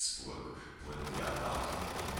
Schäßburg wurden die Erwartungen an